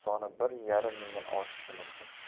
soni bir yarim mingdan oshishi mumkin